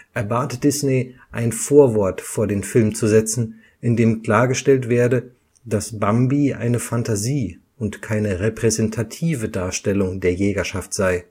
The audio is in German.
Er bat Disney, ein Vorwort vor den Film zu setzen, in dem klargestellt werde, dass Bambi eine Fantasie und keine repräsentative Darstellung der Jägerschaft sei